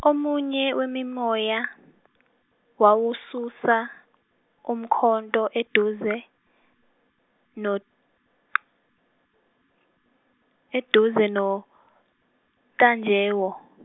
omunye wemimoya wawususa umkhonto eduze, noT- eduze noTajewo.